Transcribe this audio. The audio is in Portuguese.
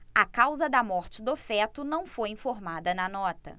a causa da morte do feto não foi informada na nota